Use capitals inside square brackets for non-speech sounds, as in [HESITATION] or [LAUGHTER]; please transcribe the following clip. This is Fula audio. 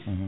[HESITATION] [HESITATION]